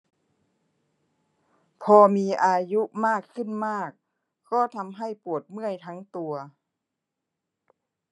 พอมีอายุมากขึ้นมากก็ทำให้ปวดเมื่อยทั้งตัว